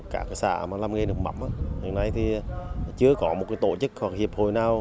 các xã mà làm nghề nước mắm hiện nay thì chưa có một cái tổ chức hoặc hiệp hội nào